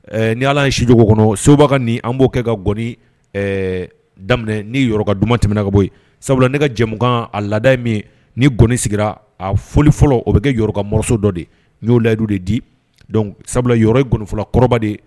Ni ala ye sijugu kɔnɔ soba ni an b'o kɛ ka gɔni daminɛ ni ka duman tɛmɛna ka bɔ yen sabula ne ka jɛmukan a laadada min ni gɔni sigira a foli fɔlɔ o bɛ kɛkamoso dɔ de n y'o layidu de di sabula gɔnfɔlɔ kɔrɔba de ye